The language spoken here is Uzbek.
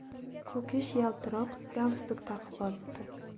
ko'kish yaltiroq galstuk taqib olibdi